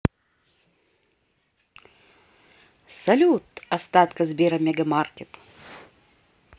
салют остатка сбера мегамаркет